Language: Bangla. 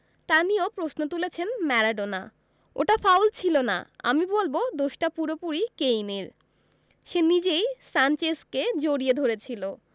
তা নিয়েও প্রশ্ন তুলেছেন ম্যারাডোনা ওটা ফাউল ছিল না আমি বলব দোষটা পুরোপুরি কেইনের সে নিজেই সানচেজকে জড়িয়ে ধরেছিল